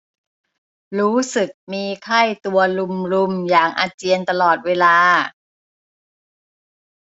รู้สึกมีไข้ตัวรุมรุมอยากอาเจียนตลอดเวลา